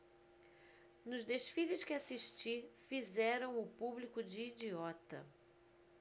nos desfiles que assisti fizeram o público de idiota